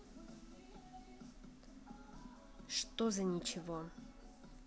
что за ничего